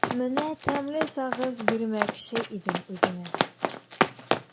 Менә тәмле сагыз бирмәкче идем үзеңә.